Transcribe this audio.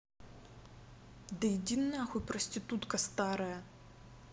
да иди нахуй проститутка старая